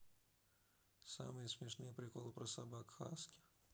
самые смешные приколы про собак хаски